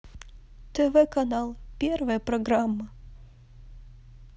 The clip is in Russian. тв канал первая программа